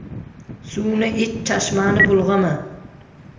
suvni ich chashmani bulg'ama